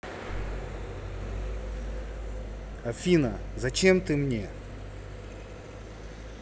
афина зачем ты мне